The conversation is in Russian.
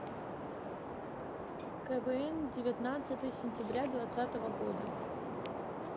квн девятнадцатое сентября двадцатого года